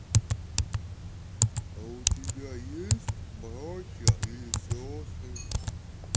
а у тебя есть братья или сестры